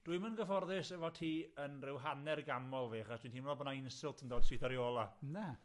Dwi 'im yn gyfforddus efo ti yn rhyw hanner ganmol fi achos dwi timlo bo' 'na insult yn dod syth ar 'i ôl o. Na.